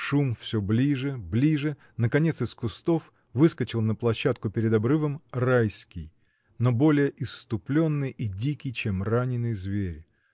Шум всё ближе, ближе, наконец из кустов выскочил на площадку перед обрывом Райский, но более исступленный и дикий, чем раненый зверь.